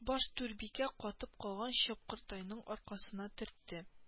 Баш түрбикә катып калган чапкыртайның аркасына төртте